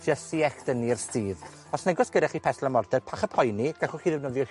jys i echdynnu'r sudd. Os nag o's gyda chi pesl a morter, pach â poeni, gallwch chi ddefnyddio